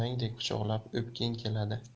onangdek quchoqlab o'pging keladi